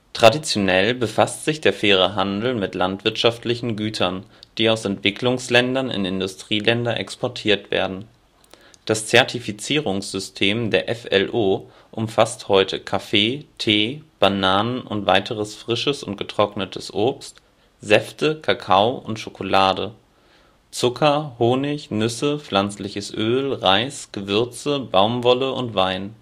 Traditionell befasst sich der faire Handel mit landwirtschaftlichen Gütern, die aus Entwicklungsländern in Industrieländer exportiert werden. Das Zertifizierungssystem der FLO umfasst heute Kaffee, (Eis -) Tee, Bananen und weiteres frisches und getrocknetes Obst, Säfte, Kakao und Schokolade, (Rohr -) Zucker, Honig, Nüsse, pflanzliches Öl, Reis, Gewürze, Baumwolle und Wein